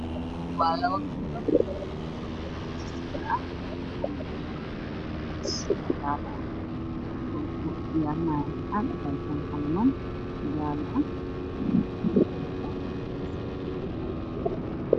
Waa labo gabdhood oo dugsi sare ah waxaa agyaalo miis jaale ah oo ay ku diyaarinayaan intixaan, waxay haystaan qalimaan jaale ah.